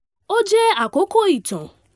"Ó jẹ́ àkókò ìtàn."